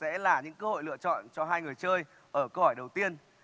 sẽ là những cơ hội lựa chọn cho hai người chơi ở câu hỏi đầu tiên